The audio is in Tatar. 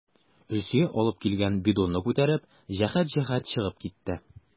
Илсөя алып килгән бидонны күтәреп, җәһәт-җәһәт чыгып китте.